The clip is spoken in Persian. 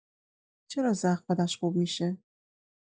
چرا زخم خودش خوب می‌شه؟